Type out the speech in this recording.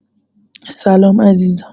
سلام عزیزم.